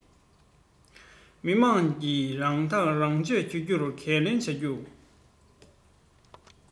མི དམངས ཀྱིས རང ཐག རང གཅོད བྱ རྒྱུར འགན ལེན བྱ རྒྱུ